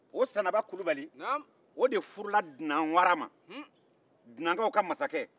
o sanaba kulubali o de furula dinan wara ma